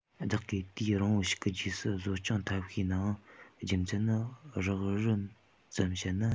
བདག གིས དུས རིང པོ ཞིག གི རྗེས སུ གཟོད སྤྱོད ཐབས ཤེས ནའང རྒྱུ མཚན ནི རགས རིམ ཙམ བཤད ན